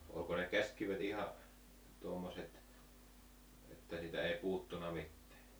oliko ne käsikivet ihan tuommoiset että siitä ei puuttunut mitään